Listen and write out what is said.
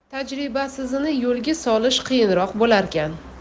tajribasizini yo'lga solish qiyinroq bo'larkan